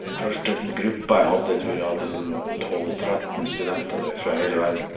Den første gruppa jeg hadde tror jeg hadde det var en tolv tretten studenter der, fra hele verden.